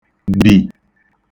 bì